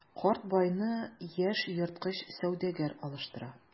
Карт байны яшь ерткыч сәүдәгәр алыштыра.